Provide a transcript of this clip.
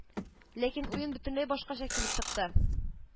Ләкин уен бөтенләй башкача килеп чыкты